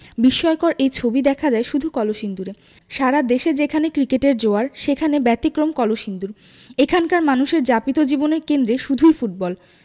বিস্ময়কর এই ছবি দেখা যায় শুধু কলসিন্দুরে সারা দেশে যেখানে ক্রিকেটের জোয়ার সেখানে ব্যতিক্রম কলসিন্দুর এখানকার মানুষের যাপিত জীবনের কেন্দ্রে শুধুই ফুটবল